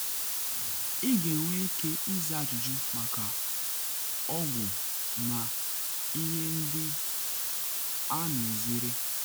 Ị ga-enwe ike ịza ajụjụ maka ọgwụ na ihe ndị ha na ezere?